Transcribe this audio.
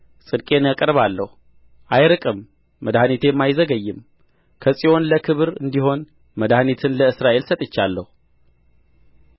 ጽድቄን አቀርባለሁ አይርቅም መድኃኒቴም አይዘገይም ከጽዮን ለክብር እንዲሆን መድኃኒትን ለእስራኤል ሰጥቻለሁ